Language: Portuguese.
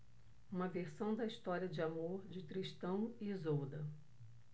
uma versão da história de amor de tristão e isolda